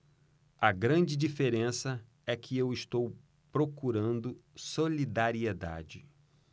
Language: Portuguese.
a grande diferença é que eu estou procurando solidariedade